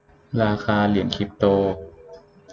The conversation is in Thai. ราคาเหรียญคริปโต